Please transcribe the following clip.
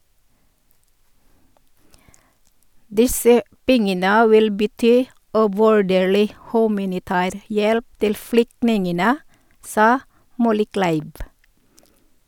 Disse pengene vil bety uvurderlig humanitær hjelp til flyktningene, sa Mollekleiv.